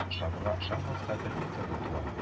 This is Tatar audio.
Ышанырга-ышанмаска белми торды туган